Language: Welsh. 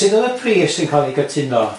Ia.. Sud o'dd y pris yn ca'l i gytuno?